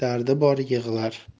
dardi bor yig'lar